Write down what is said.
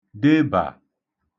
debà